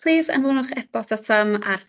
plîs anfonwch e-bost atam ar...